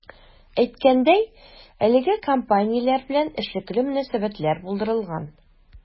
Әйткәндәй, әлеге компанияләр белән эшлекле мөнәсәбәтләр булдырылган.